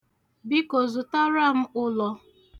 Biko, zụtara m ụlọ.